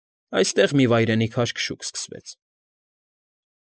Այստեղ մի վայրենի քաշքշուկ սկսվեց։